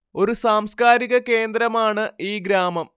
ഒരു സാംസ്കാരിക കേന്ദ്രമാണ് ഈ ഗ്രാമം